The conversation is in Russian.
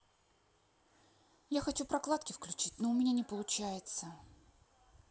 я хочу прокладки включить но у меня не получается